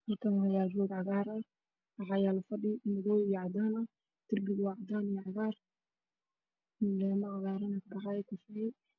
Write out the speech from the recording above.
Halkaan waxaa yaalo fadhi cadaan biraha ku xirana waa madaw darbiga waa cadaan iyo cagaar dhulkana waa cagaar